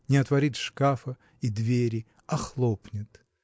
не отворит шкафа и двери, а хлопнет.